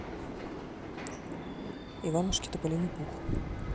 иванушки тополиный пух